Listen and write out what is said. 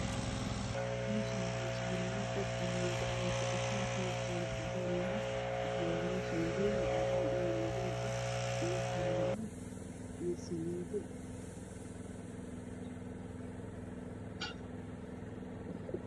Meshan waa subar marked armajo aya kadhisan kalarkeda cadan yahay waxyalo shaboyin cadan io madow ah io kareman io salido